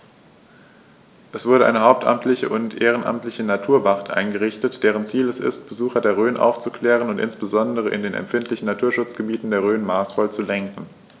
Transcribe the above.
Es wurde eine hauptamtliche und ehrenamtliche Naturwacht eingerichtet, deren Ziel es ist, Besucher der Rhön aufzuklären und insbesondere in den empfindlichen Naturschutzgebieten der Rhön maßvoll zu lenken.